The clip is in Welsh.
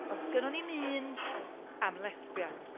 ond sgennyn ni’m un am lesbian.